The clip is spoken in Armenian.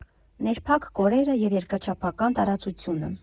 «Ներփակ կորերը» և «Երկրաչափական տարածությունը»